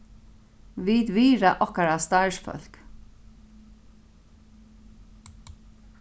vit virða okkara starvsfólk